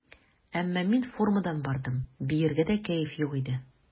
Әмма мин формадан бардым, биергә дә кәеф юк иде.